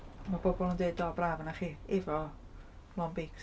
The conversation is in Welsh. Mae pobl yn dweud "o braf arna chi efo lôn beics."